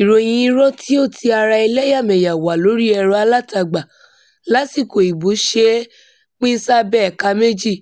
Ìròyìn irọ́ tí ó ti ara ẹlẹ́yàmẹyà wá lórí ẹ̀rọ-alátagbà lásìkò ìbò ṣe é pín sábẹ́ ẹ̀ka méjì: